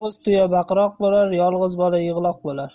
yolg'iz tuya baqiroq bo'lar yolg'iz bola yig'loq bo'lar